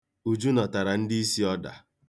Uju natara ndị isi ọda.